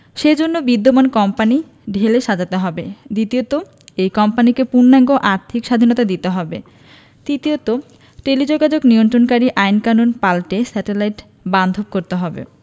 সে জন্য বিদ্যমান কোম্পানি ঢেলে সাজাতে হবে দ্বিতীয়ত এই কোম্পানিকে পূর্ণাঙ্গ আর্থিক স্বাধীনতা দিতে হবে তৃতীয়ত টেলিযোগাযোগ নিয়ন্ত্রণকারী আইনকানুন পাল্টে স্যাটেলাইট বান্ধব করতে হবে